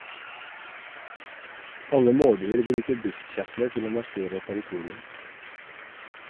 Alle mårdyr bruker duftkjertler til å markere territorium.